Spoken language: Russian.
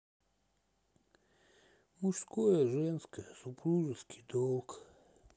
мужское женское супружеский долг